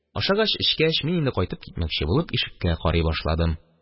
Ашагач-эчкәч, мин инде кайтып китмәкче булып ишеккә карый башладым.